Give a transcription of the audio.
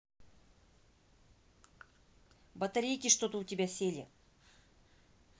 батарейки что то у тебя сели